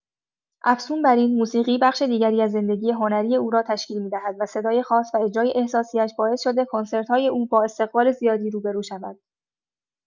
افزون بر این، موسیقی بخش دیگری از زندگی هنری او را تشکیل می‌دهد و صدای خاص و اجرای احساسی‌اش باعث شده کنسرت‌های او با استقبال زیادی روبه‌رو شود.